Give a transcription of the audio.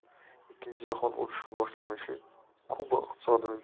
ikkinchi jahon urushi boshlanishi kuba iqtisodiyotini